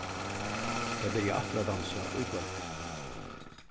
tey byrja aftur at dansa í kvøld